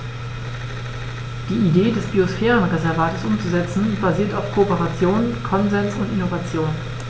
Die Idee des Biosphärenreservates umzusetzen, basiert auf Kooperation, Konsens und Innovation.